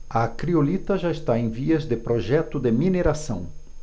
a criolita já está em vias de projeto de mineração